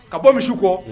Ka bɔ misi kɔ